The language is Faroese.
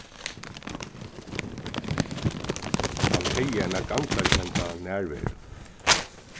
hann hevði eina gandakenda nærveru